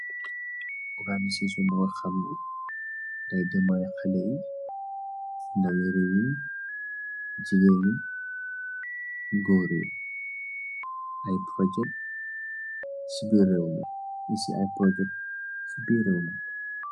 Organisation bou nga hamni dai demballeh halleh yi, ndawi reew mi, jigeen yi, goor yi, aye project si birr reew mi. Nju ici aye project su birr reew mi.